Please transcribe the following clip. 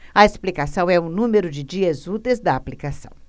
a explicação é o número de dias úteis da aplicação